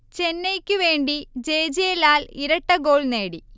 ചെന്നൈയ്ക്കു വേണ്ടി J. J Lal ഇരട്ടഗോൾ നേടി